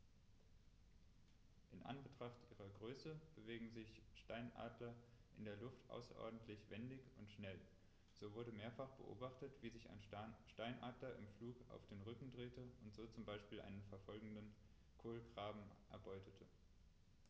In Anbetracht ihrer Größe bewegen sich Steinadler in der Luft außerordentlich wendig und schnell, so wurde mehrfach beobachtet, wie sich ein Steinadler im Flug auf den Rücken drehte und so zum Beispiel einen verfolgenden Kolkraben erbeutete.